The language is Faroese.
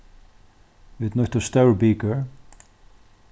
vit nýttu stór bikør